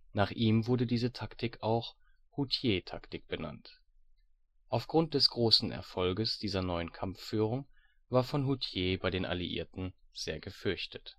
Nach ihm wurde diese Taktik auch " Hutier-Taktik " benannt. Aufgrund des großes Erfolges dieser neuen Kampfführung war von Hutier bei den Alliierten sehr gefürchtet